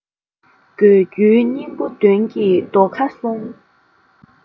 དགོས རྒྱུའི སྙིང པོ དོན གྱི རྡོ ཁ གསུམ